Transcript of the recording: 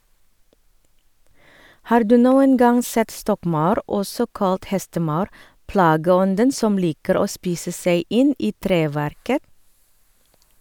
Har du noen gang sett stokkmaur, også kalt hestemaur, plageånden som liker å spise seg inn i treverket?